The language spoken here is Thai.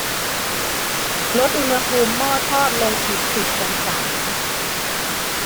ลดอุณหภูมิหม้อทอดลงอีกสิบองศา